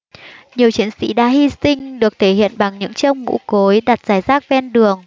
nhiều chiến sĩ đã hy sinh được thể hiện bằng những chiếc mũ cối đặt rải rác ven đường